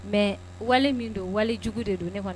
Mɛ wali min don wali jugu de don ne